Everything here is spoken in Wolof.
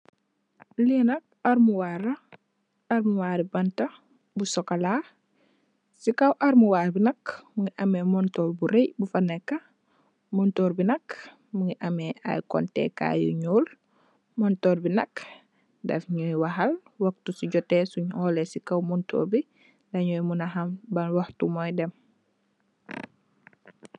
Lii nak, almuwaar la, almuwaari banta, si kow almuwaar bi nak, mu ngi amee montoor bu rëy, bu fa neekë, montoor bi nak mu ngi amee ay kontee kaay yu ñuul, montoor bi nak, daf ñuy waxal waxtu su jotee, suñ xoole si kow montoor bi, la ñuy mu na xam, ban woxtu mooy dem.